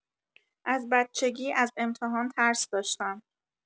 از بچگی از امتحان ترس داشتم.